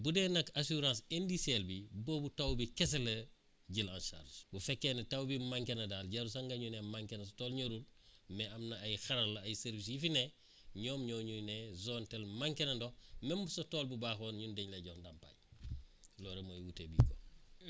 bu dee nga assurance indicelle bi boobu taw bi kese la jël en charge bu fekkee ne taw bi manqué na daal jarul sax nga ñuy ne manqué na sa tool ñorul mais am na ay xarala wala ay services yu fi ne ñoom ñoo ñuy ne zone telle manqué na ndox même sa tool bu baaxoon ñun dañ lay jox ndàmpaay loolu mooy wute bi quoi